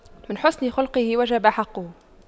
من حسن خُلقُه وجب حقُّه